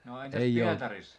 no entäs Pietarissa